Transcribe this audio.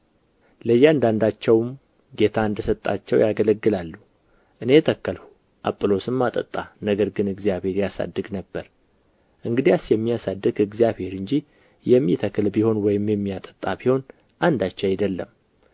ለእያንዳንዳቸውም ጌታ እንደ ሰጣቸው ያገለግላሉ እኔ ተከልሁ አጵሎስም አጠጣ ነገር ግን እግዚአብሔር ያሳድግ ነበር እንግዲያስ የሚያሳድግ እግዚአብሔር እንጂ የሚተክል ቢሆን ወይም የሚያጠጣ ቢሆን አንዳች አይደለም